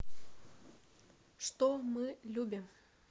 что мы любим